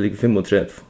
er ligvið fimmogtretivu